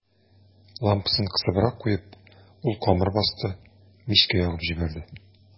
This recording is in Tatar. Лампасын кысыбрак куеп, ул камыр басты, мичкә ягып җибәрде.